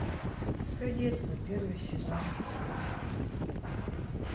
кадетство первый сезон